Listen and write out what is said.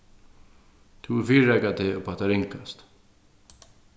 tú hevur fyrireikað teg upp á tað ringasta